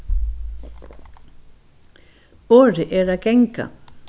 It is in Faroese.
orðið er at ganga